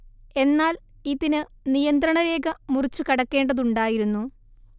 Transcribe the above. എന്നാൽ ഇതിന് നിയന്ത്രണരേഖ മുറിച്ചു കടക്കേണ്ടതുണ്ടായിരുന്നു